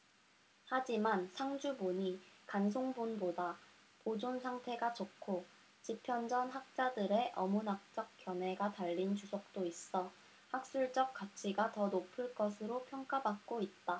하지만 상주본이 간송본보다 보존 상태가 좋고 집현전 학자들의 어문학적 견해가 달린 주석도 있어 학술적 가치가 더 높을 것으로 평가받고 있다